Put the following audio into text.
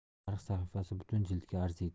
tarix sahifasi butun jildga arziydi